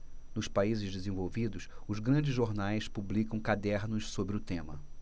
nos países desenvolvidos os grandes jornais publicam cadernos sobre o tema